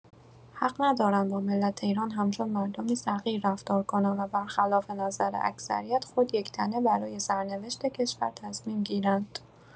حق ندارند با ملت ایران همچون مردمی صغیر رفتار کنند و برخلاف نظر اکثریت، خود یک‌تنه برای سرنوشت کشور تصمیم گیرند.